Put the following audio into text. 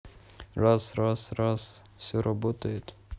раз раз раз все работает